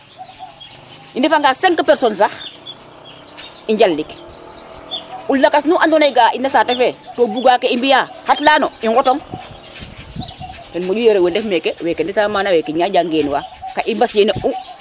i ndefa nga 5 personnes sax i njalik o lakas nu ando naye ga a in o saate fe buga ke i mbiya xat lano i ŋotong tem moƴu rewe ndef na meke weke ndeta meke weke ñaƴa ngen waka i mbasiye ne u